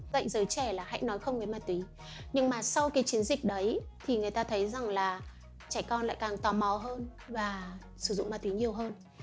khuyên giới trẻ hãy nói không với ma túy nhưng mà sau chiến dịch ấy thì người ta thấy rằng trẻ con lại càng tò mò hơn và sử dụng ma túy nhiều hơn